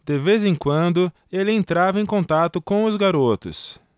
de vez em quando ele entrava em contato com os garotos